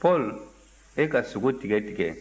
paul e ka sogo tigɛtigɛ